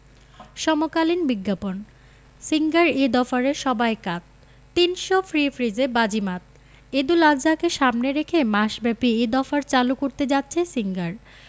সমকালীন বিজ্ঞাপন সিঙ্গার ঈদ অফারে সবাই কাত ৩০০ ফ্রি ফ্রিজে বাজিমাত ঈদুল আজহাকে সামনে রেখে মাসব্যাপী ঈদ অফার চালু করতে যাচ্ছে সিঙ্গার